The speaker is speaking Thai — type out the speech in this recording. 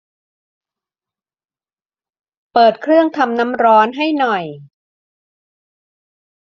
เปิดเครื่องทำน้ำร้อนให้หน่อย